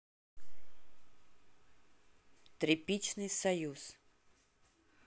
тряпичный союз